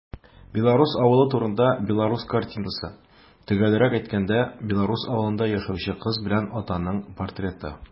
Белорус авылы турында белорус картинасы - төгәлрәк әйткәндә, белорус авылында яшәүче кыз белән атаның портреты.